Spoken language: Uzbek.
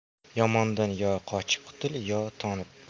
yomondan yo qochib qutul yo tonib